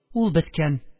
Ул беткән